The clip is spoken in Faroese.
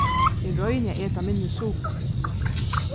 eg royni at eta minni sukur